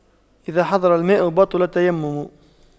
إذا حضر الماء بطل التيمم